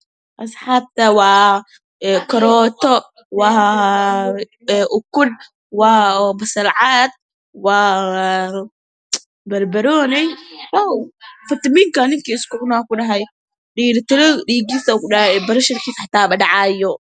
Waa karoto iyo ukun iyo basal cad iyo barbanoni